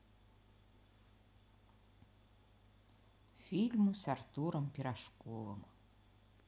фильмы с артуром пирожковым